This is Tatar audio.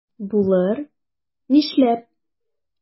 Булыр, нишләп?